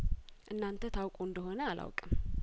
እናንተ ታውቁ እንደሆነ አላውቅም